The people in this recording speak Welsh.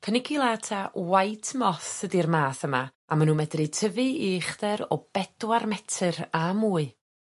Paniculata White Moss ydi'r math yma a ma' n'w medru tyfu i uchder o bedwar metyr a mwy.